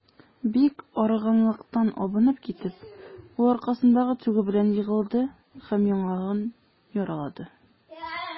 Бик арыганлыктан абынып китеп, ул аркасындагы тюгы белән егылды һәм яңагын яралады.